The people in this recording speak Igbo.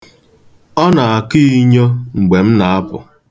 Ọ na-akọ inyo mgbe m na-apụ.